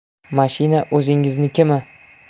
mashina o'zingiznikimi